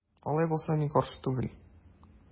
Алай булса мин каршы түгел.